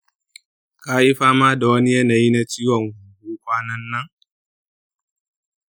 kayi fama da wani yanayi na ciwon hunhu kwanan nan?